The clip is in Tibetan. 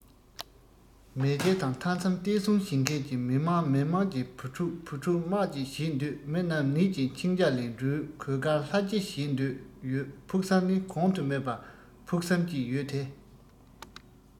མེས རྒྱལ དང མཐའ མཚམས བརྟན སྲུང བྱེད མཁན གྱི མི དམངས མི དམངས ཀྱི བུ ཕྲུག བུ ཕྲུག དམག ཅིག བྱེད འདོད མི རྣམས ནད ཀྱི འཆིང རྒྱ ལས འགྲོལ གོས དཀར ལྷ ཆེ བྱེད འདོད ཡོད ཕུགས བསམ ནི གོང དུ སྨོས པ ཕུགས བསམ གཅིག ཡོད དེ